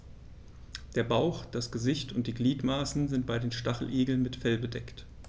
Der Bauch, das Gesicht und die Gliedmaßen sind bei den Stacheligeln mit Fell bedeckt.